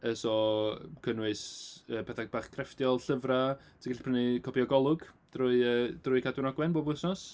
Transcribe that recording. Yy so cynnwys yy pethau bach crefftiol, llyfrau, ti'n gallu prynu copi o Golwg drwy yy drwy Cadwyn Ogwen bob wsnos.